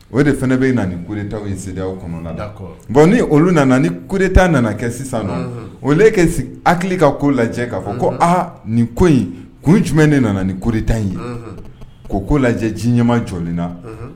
O de fana bɛ nauretan sariya kɔnɔ da bon ni olu nana ni koetan nana kɛ sisan o ka ka ko lajɛ k'a fɔ ko aa nin ko in kun jumɛn ne nana ni kotan ye ko ko lajɛ ji ɲɛma jɔlenna